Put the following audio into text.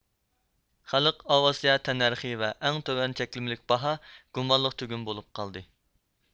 خەلق ئاۋىئاتسىيە تەننەرخى ۋە ئەڭ تۆۋەن چەكلىمە باھا گۇمانلىق تۈگۈن بولۇپ قالدى